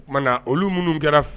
O tuma na olu minnu kɛra f